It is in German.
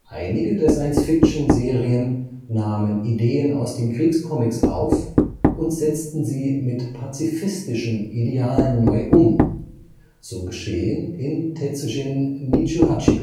Einige der Science-Fiction-Serien nahmen Ideen aus den Kriegscomics auf und setzten sie mit pazifistischen Idealen neu um, so geschehen in Tetsujin 28-gō